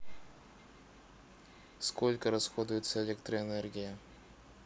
сколько расходуется электроэнергия